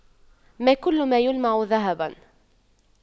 ما كل ما يلمع ذهباً